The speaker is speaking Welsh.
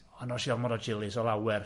O'n es i ormod o chillies o lawer.